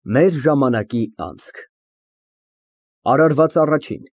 Մեր ժամանակի անցք։ ԱՐԱՐՎԱԾ ԱՌԱՋԻՆ։